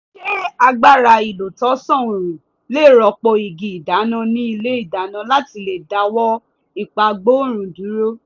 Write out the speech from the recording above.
"Ṣé agbára ìlòtànsán-òòrùn lè rọ́pò igi ìdáná ní ilé-ìdáná láti lè dáwọ́ ìpagbórun dúró?"